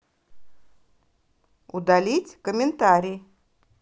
удалить комментарий